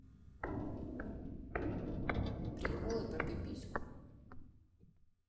приколы про пипиську